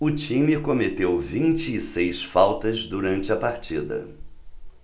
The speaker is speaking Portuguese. o time cometeu vinte e seis faltas durante a partida